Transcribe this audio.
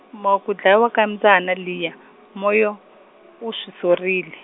mo ku dlawa ka mbyana liya Moyo, u swi sorile.